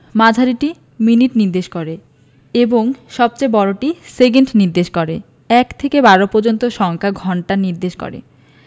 মাঝারিটি মিনিট নির্দেশ করে এবং সবচেয়ে বড়টি সেকেন্ড নির্দেশ করে ১ থেকে ১২ পর্যন্ত সংখ্যা ঘন্টা নির্দেশ করে